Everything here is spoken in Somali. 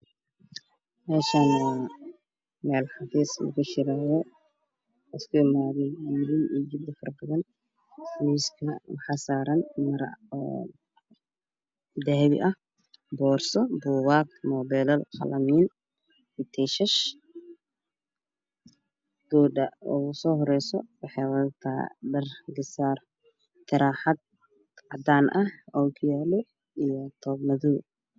Meeshaan waa meel xafiis oo lagu shiraayo waxaa isugu imaaday wiilal iyo gabdho faro badan miiskana waxaa saaran maro oo dahabi ah boorso buugaan mobile qalimaan iyo tiishash gabdha oogu soo horeeyso waxay wadataa dhar gasaar taraxad cadaan ah okiyalo iyo tob madow